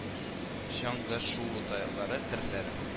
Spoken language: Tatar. Чаңгы шуу таяклары төрләре